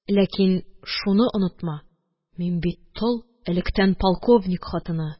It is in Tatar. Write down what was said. Ләкин шуны онытма... Мин бит тол, электән полковник хатыны